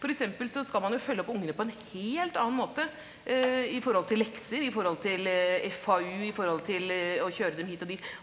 f.eks. så skal man jo følge opp ungene på en helt annen måte i forhold til lekser i forhold til FAU i forhold til å kjøre dem hit og dit.